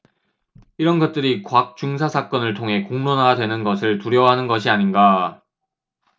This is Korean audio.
이런 것들이 곽 중사 사건을 통해 공론화되는 것을 두려워하는 것이 아닌가